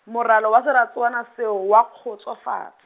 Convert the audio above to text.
moralo wa seratswana seo, oa kgotsofats-.